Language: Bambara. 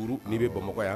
U n'i bɛ bama yan